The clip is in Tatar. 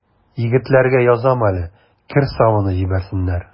Егетләргә язам әле: кер сабыны җибәрсеннәр.